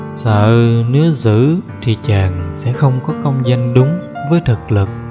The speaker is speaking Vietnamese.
sợ nếu giữ thì chàng sẽ không có công danh đúng với thực lực